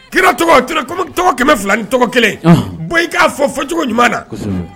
Kira tɔgɔ kɛmɛ fila ni tɔgɔ kelen bɔn i k'a fɔ fɔcogo jumɛn na